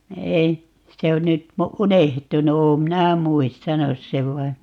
ei se on nyt unohtunut olen minä muistanut sen vain